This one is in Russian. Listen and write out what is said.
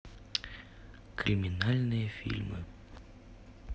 криминальные фильмы